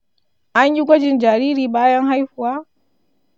an yi gwajin jariri bayan haihuwa?